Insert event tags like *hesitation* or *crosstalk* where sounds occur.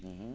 *hesitation* *hesitation*